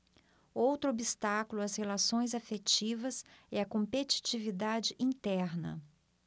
outro obstáculo às relações afetivas é a competitividade interna